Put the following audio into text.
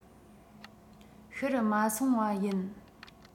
ཕྱིར མ སོང བ ཡིན